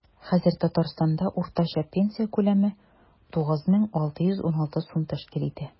Хәзер Татарстанда уртача пенсия күләме 9616 сум тәшкил итә.